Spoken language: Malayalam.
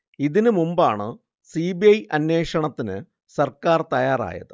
ഇതിന് മുമ്പാണ് സി ബി ഐ അന്വേഷണത്തിന് സർക്കാർ തയ്യാറായത്